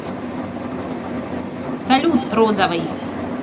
салют розовый